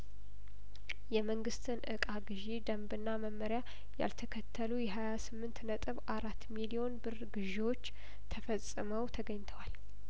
የመንግስትን እቃ ግዢ ደንብና መመሪያያል ተከተሉ የሀያ ስምንት ነጥብ አራት ሚሊዮን ብር ግዢዎች ተፈጽመው ተገኝተዋል